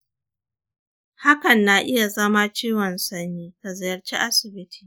hakan na iya zama ciwon sanyi, ka ziyarci asibiti